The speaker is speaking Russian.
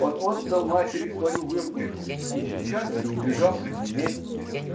Он отдал матери свою выручку и сейчас же убежал к Нинетте.